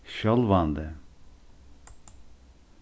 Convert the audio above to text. sjálvandi